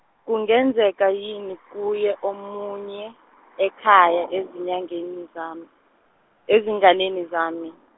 kungenzeka yini kuye omunye, ekhaya ezinyangeni zam-, ezinganani zami.